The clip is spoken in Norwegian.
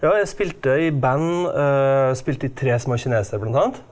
ja jeg spilte i band spilte i Tre Små Kinesere blant annet.